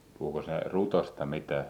puhuikos ne rutosta mitään